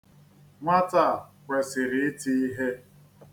Nwata a kwesịrị iti ihe.